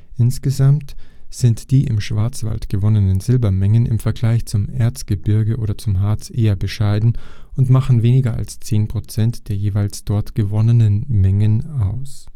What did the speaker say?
Insgesamt sind die im Schwarzwald gewonnenen Silbermengen im Vergleich zum Erzgebirge oder zum Harz eher bescheiden und machen weniger als zehn Prozent der jeweils dort gewonnenen Mengen aus